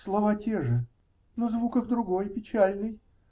-- Слова те же, но звук их другой -- печальный.